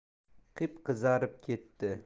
qip qizarib ketdi